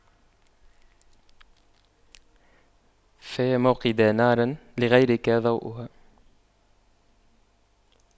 فيا موقدا نارا لغيرك ضوؤها